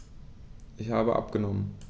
Ich habe abgenommen.